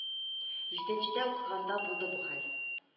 Җиденчедә укыганда булды бу хәл